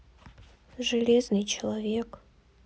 железный человек